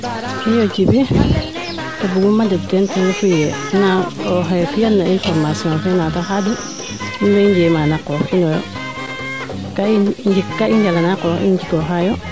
iyo Djiby ke buguuma demb teen ten refu yee oxe fiyan na in formation fee yaate xaadu in wey njeema na qoox inoyo kaa i njala na qoox in njikooxa yo